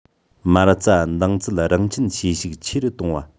མ རྩ འདང ཚད རང གཅུན བྱེད ཤུགས ཆེ རུ གཏོང བ